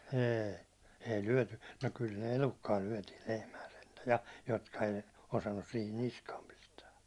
ei ei lyöty no kyllä ne elukkaa lyötiin lehmää sentään ja jotka ei osannut siihen niskaan pistää